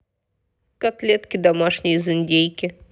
котлетки домашние из индейки